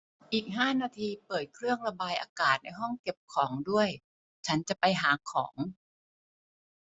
อีกห้านาทีเปิดเครื่องระบายอากาศในห้องเก็บของด้วยฉันจะไปหาของ